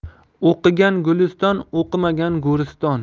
o'qigan guliston o'qimagan go'riston